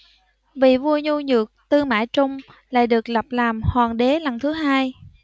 vị vua nhu nhược tư mã trung lại được lập làm hoàng đế lần thứ hai